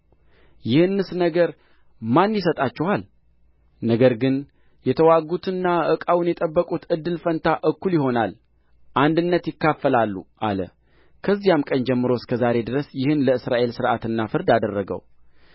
ይህንስ ነገ ማን ይሰማችኋል ነገር ግን የተዋጉትና ዕቃውን የጠበቁት እድል ፈንታ እኩል ይሆናል አንድነት ይካፈላሉ አለ ከዚያም ቀን ጀምሮ እስከ ዛሬ ድረስ ይህን ለእስራኤል ሥርዓትና ፍርድ አደረገው